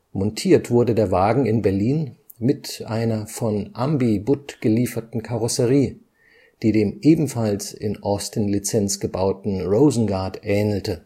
Montiert wurde der Wagen in Berlin mit einer von Ambi-Budd gelieferten Karosserie, die dem ebenfalls in Austin-Lizenz gebauten Rosengart ähnelte